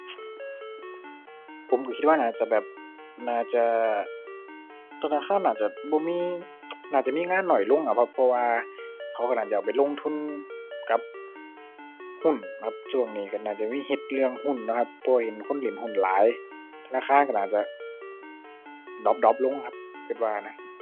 ผมก็คิดว่าน่าจะแบบ น่าจะ ธนาคารน่าจะบ่มี น่าจะมีงานน้อยลงอะ เพราะว่า เขาก็น่าจะเอาไปลงทุนกับหุ้นครับ ช่วงนี้ก็น่าจะมีเฮ็ดเรื่องหุ้นเนาะครับ เพราะว่าเห็นคนเล่นหุ้นหลาย ธนาคารก็น่าจะดร็อปดร็อปลงครับ ก็ว่านะ